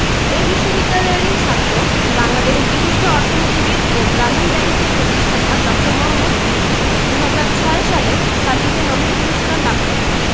এ বিশ্ববিদ্যালয়েরই ছাত্র বাংলাদেশের বিশিষ্ট অর্থনীতিবিদ ও গ্রামীণ ব্যাংকের প্রতিষ্ঠাতা ড. মোহাম্মদ ইউনুস ২০০৬ সালে শান্তিতে নোবেল পূরস্কার লাভ করেন